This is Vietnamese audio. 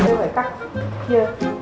các bạn thấy mình phải cắt và chia